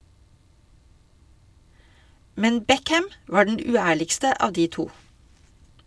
Men Beckham var den uærligste av de to.